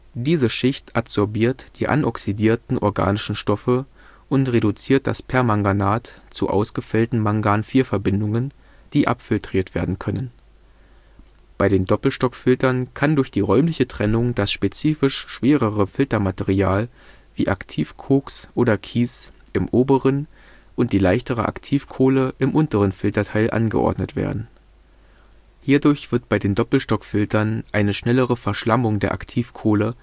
Diese Schicht adsorbiert die anoxidierten organischen Stoffe und reduziert das Permanganat zu ausgefällten Mangan (IV) - Verbindungen, die abfiltriert werden können. Bei den Doppelstockfiltern kann durch die räumliche Trennung das spezifisch schwerere Filtermaterial wie Aktivkoks oder Kies im oberen und die leichtere Aktivkohle im unteren Filterteil angeordnet werden. Hierdurch wird bei den Doppelstockfiltern eine schnellere Verschlammung der Aktivkohle